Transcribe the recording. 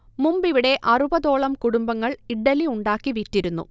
മുമ്പിവിടെ അറുപതോളം കുടുംബങ്ങൾ ഇഡ്ഢലി ഉണ്ടാക്കി വിറ്റിരുന്നു